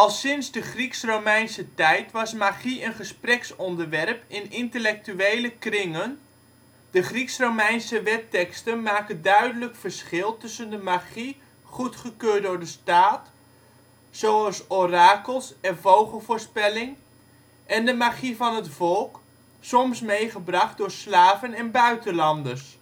sinds de Grieks-Romeinse tijd was magie een gespreksonderwerp in intellectuele kringen (de Grieks-Romeinse wetteksten maken duidelijk verschil tussen de magie goedgekeurd door de staat - zoals orakels en vogelvoorspelling - en de magie van het volk, soms meegebracht door slaven en buitenlanders